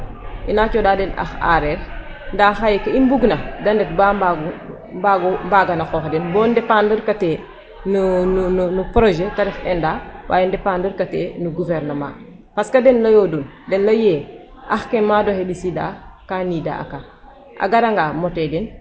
I naa cooxaa den ax aareer ndaa xaye ke i mbugna da ndet ba mbaag o mbaag o mbaagan a qoox den bo dépendre katee no no projet te ENDA wa dépendre katee no gouuvernement .Parce den layoodun den layu yee ax ke maad oxe ɓisiidakee ndaa a kar a garanga motee den.